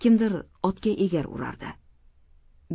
kimdir otga egar urardi